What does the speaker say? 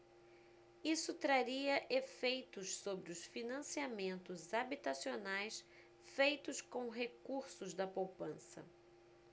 isso traria efeitos sobre os financiamentos habitacionais feitos com recursos da poupança